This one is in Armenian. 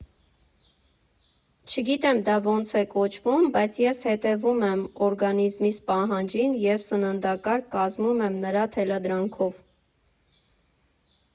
Չգիտեմ դա ոնց է կոչվում, բայց ես հետևում եմ օրգանիզմիս պահանջին և սննդակարգ կազմում եմ նրա թելադրանքով։